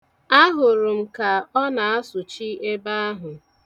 Ahụrụ m ka ọ na-asụchi ebe ahụ.